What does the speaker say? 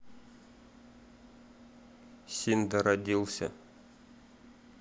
синда родился